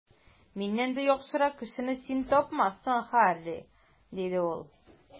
Миннән дә яхшырак кешене син тапмассың, Һарри, - диде ул.